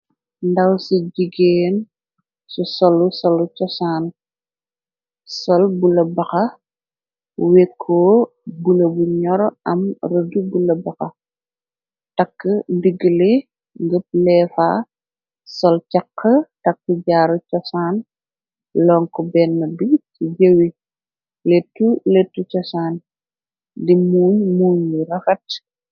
ndaw ci jigeen cu sol bu la baxa wekkoo bula bu ñoro am rëdu bu la baxa takk ndigle ngeb leefa sol cax takk jaaru cosaan lonko benn bi ci jewi lettu lettu cosaan di muuñ muuñ yu raxat.